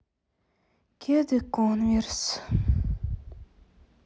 кеды конверс